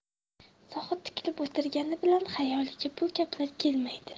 zohid tikilib o'tirgani bilan xayoliga bu gaplar kelmaydi